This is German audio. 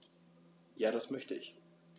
Ja, das möchte ich.